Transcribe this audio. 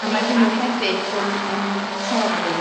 A ma' hynny hefyd yn yn... Sori...